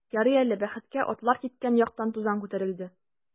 Ярый әле, бәхеткә, атлар киткән яктан тузан күтәрелде.